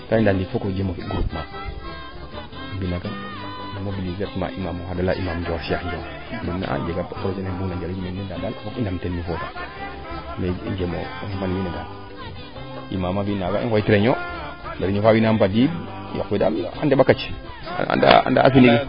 ndaa ndiiki daal foko jeemo fi groupement fi naaga de mobiliser oox ma imam oxa de leya imaam Cheikh Dieng im ley nee a jega kaa i mbug na njaliid meen ndaa daal fook i ndam teen mi fo wo me i njeemo mbiyan wiin we daal imaam a fi naaga a dalfo fi naaga wiin wa mbadiid yoq we daal a ndeɓa kac andaa atlier